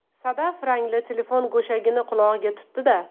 sadaf rangli telefon go'shagini qulog'iga tutdi da